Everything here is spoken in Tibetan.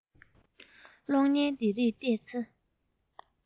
གློག བརྙན འདི རིགས བལྟས ཚེ